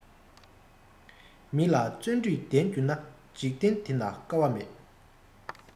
མི ལ བརྩོན འགྲུས ལྡན འགྱུར ན འཇིག རྟེན འདི ན དཀའ བ མེད